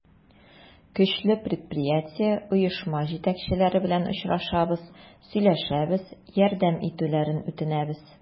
Көчле предприятие, оешма җитәкчеләре белән очрашабыз, сөйләшәбез, ярдәм итүләрен үтенәбез.